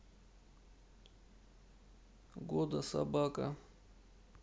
года собака